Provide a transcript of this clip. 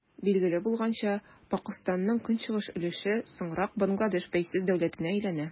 Билгеле булганча, Пакыстанның көнчыгыш өлеше соңрак Бангладеш бәйсез дәүләтенә әйләнә.